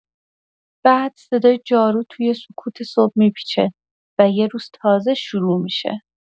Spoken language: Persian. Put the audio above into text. بعد صدای جارو توی سکوت صبح می‌پیچه و یه روز تازه شروع می‌شه.